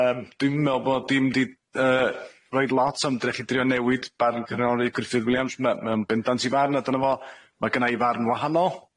Yym dwi'm me'wl bod 'i di yy roid lot ond rai chi drio newid barn cynghorydd Gruffydd Williams ma' ma'n bendant i farn a dyna fo, ma' gynna i farn wahanol.